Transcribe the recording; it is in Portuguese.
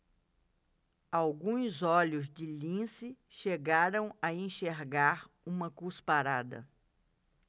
alguns olhos de lince chegaram a enxergar uma cusparada